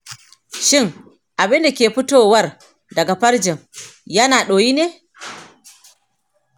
shin abunda ke fitowar daga farjin ya na ɗoyi ne